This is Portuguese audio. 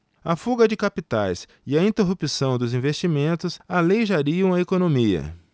a fuga de capitais e a interrupção dos investimentos aleijariam a economia